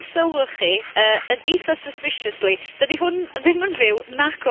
...sylwch chi, yy yn eitha suspiciously dydi hwn ddim yn fyw nac o...